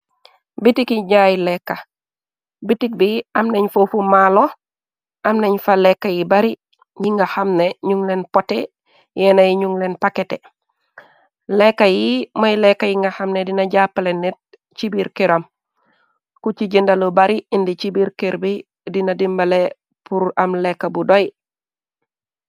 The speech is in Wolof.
Bitik gi jaay lekka, bitik bi am nañ foofu maalo, am nañ fa lekka yu bari, yu nga xamne ñuŋ leen pote, yenne yi ñuŋ leen pakete, lekka yi mooy lekka yi nga xamne dina jàppale nit ci biir këram, ku ci jënda lu bari indi ci biir kër bi, dina dimbale pur am lekka bu doy.